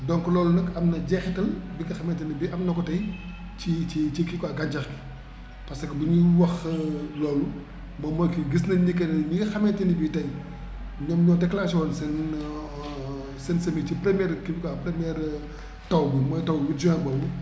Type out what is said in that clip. donc loolu nag am na jeexital bi nga xamante ne bii am na ko tay ci ci kii quoi gàncax gi parce que bu ñuy wax loolu boo moytuwul gis nañ ni que ñi nga xamante ne bii tay ñoom ñoo déclenché woon seen seen semis ci première kii bi quoi première taw bi mooy taw bu juin boobu